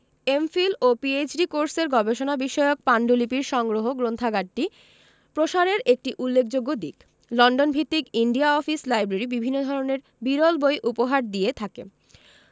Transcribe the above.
MPhil ও PhD কোর্সের গবেষণা বিষয়ক পান্ডুলিপির সংগ্রহ গ্রন্থাগারটি প্রসারের একটি উল্লেখযোগ্য দিক লন্ডন ভিত্তিক ইন্ডিয়া অফিস লাইব্রেরি বিভিন্ন ধরনের বিরল বই উপহার দিয়ে থাকে